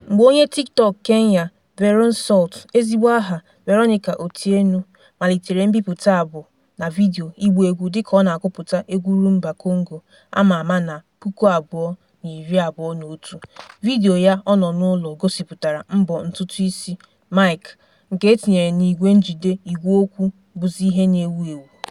Mgbe onye TikTok Kenya @Veroansalt (ezigbo aha Veronica Otieno) malitere mbipụta abụ na vidiyo ịgba egwu dịka ọ na-agụpụta egwu Rhumba Kongo a ma ama na 2021, vidiyo ya ọ n'ụlọ nke gosịpụtara mbọ ntụtụisi (mic) nke e tinyere n'igwe njide ígwèokwu bụzi ihe na-ewu ewu.